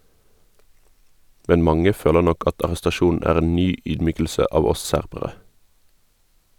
Men mange føler nok at arrestasjonen er en ny ydmykelse av oss serbere.